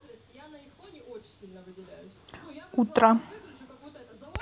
утро